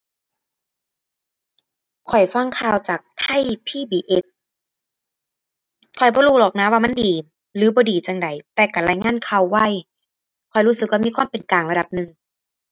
ข้อยฟังข่าวจาก Thai PBS ข้อยบ่รู้หรอกนะว่ามันดีหรือบ่ดีจั่งใดแต่ก็รายงานข่าวไว ข้อยรู้สึกว่ามีความเป็นกลางระดับหนึ่ง